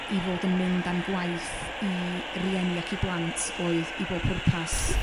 i fod yn mynd am gwaith i rieni ac i blant oedd i bob pwrpas